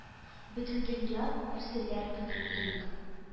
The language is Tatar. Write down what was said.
Бөтендөнья күселәр көне инг